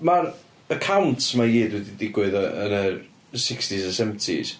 Ma'r accounts 'ma i gyd wedi digwydd y- yn yr sixties a'r seventies.